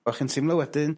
Fel chi'n timlo wedyn